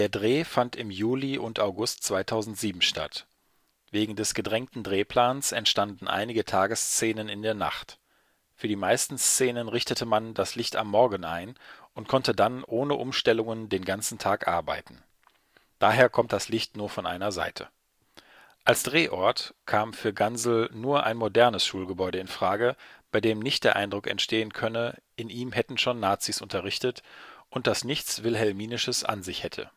Dreh fand im Juli und August 2007 statt. Wegen des gedrängten Drehplans entstanden einige Tagesszenen in der Nacht. Für die meisten Szenen richtete man das Licht am Morgen ein und konnte dann ohne Umstellungen den ganzen Tag arbeiten. Daher kommt das Licht nur von einer Seite. Als Drehort kam für Gansel nur ein modernes Schulgebäude in Frage, bei dem nicht der Eindruck entstehen könne, in ihm hätten schon Nazis unterrichtet, und das nichts wilhelminisches an sich hätte